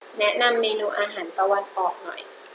แนะนำเมนูอาหารตะวันออกหน่อย